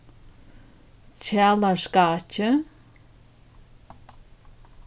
kjalarskákið